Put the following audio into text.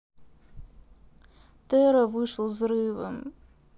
tera вышел взрывом